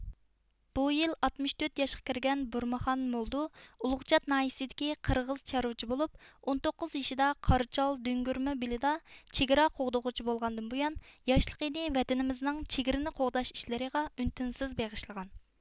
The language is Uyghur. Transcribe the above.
بۇ يىل ئاتمىش تۆت ياشقا كىرگەن بۇرمىخان مولدو ئۇلۇغچات ناھىيىسىدىكى قىرغىز چارۋىچى بولۇپ ئون توققۇز يېشىدا قاراچال دۆڭگۆرمۆ بېلى تاغ ئېغىزى دا چېگرا قوغدىغۇچى بولغاندىن بۇيان ياشلىقىنى ۋەتىنىمىزنىڭ چېگرىنى قوغداش ئىشلىرىغا ئۈن تىنسىز بېغىشلىغان